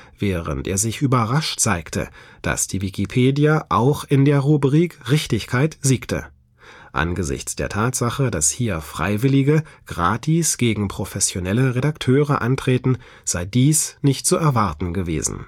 während er sich überrascht zeigte, dass die Wikipedia auch in der Rubrik „ Richtigkeit “siegte; „ angesichts der Tatsache, dass hier Freiwillige gratis gegen professionelle Redakteure antreten, [sei] dies nicht zu erwarten [gewesen